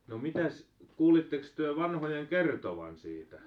no mitäs kuulitteko te vanhojen kertovan siitä